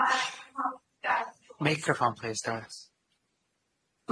Microffon plîs does.